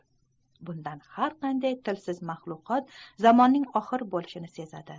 bundan har qanday tilsiz maxluqot zamonning oxir bolishini sezadi